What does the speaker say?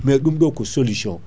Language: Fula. mais ɗum ɗo ko solution